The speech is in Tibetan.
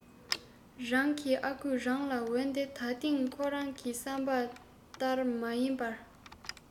རང གི ཨ ཁུས རང ལ འོན ཏེ ད ཐེངས ཁོ རང གི བསམ པ ཏར མ ཡིན པར